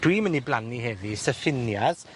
Dwi myn' i blannu heddi Syphinias,